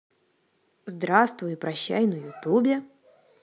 здравствуй и прощай на ютубе